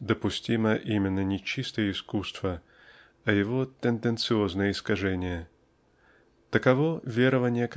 допустимо именно не чистое искусство а его тенденциозное искажение -- таково верование